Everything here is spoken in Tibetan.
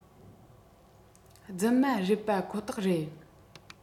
རྫུན མ རེད པ ཁོ ཐག རེད